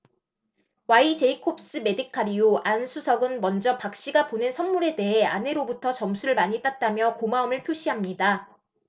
와이제이콥스메디칼이요 안 수석은 먼저 박 씨가 보낸 선물에 대해 아내로부터 점수를 많이 땄다며 고마움을 표시합니다